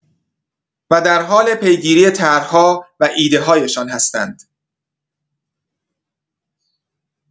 و در حال پیگیری طرح‌ها و ایده‌هایشان هستند.